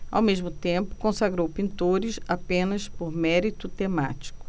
ao mesmo tempo consagrou pintores apenas por mérito temático